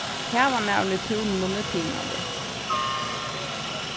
kavamaðurin í túninum er tiðnaður